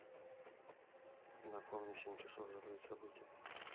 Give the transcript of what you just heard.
напомни в семь часов закрыть событие